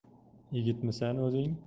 yigitmisan o'zing